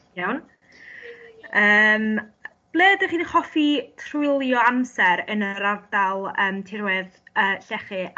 Iawn ymm ble ydych chi'n hoffi trwylio amser yn yr ardal ymm tirwedd y llechi a